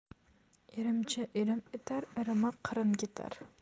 irimchi irim etar irimi qirin ketar